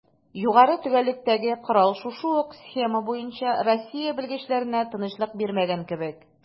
Югары төгәллектәге корал шушы ук схема буенча Россия белгечләренә тынычлык бирмәгән кебек: